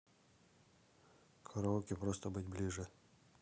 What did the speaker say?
караоке просто быть ближе